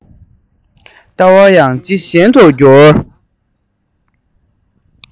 ལྟ བ ཡང ཇེ ཞན དུ གྱུར